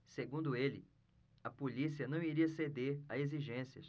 segundo ele a polícia não iria ceder a exigências